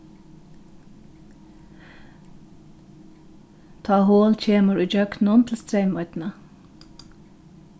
tá hol kemur ígjøgnum til streymoynna